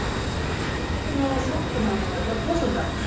uttan at hava sætt hvønn annan ella tosað saman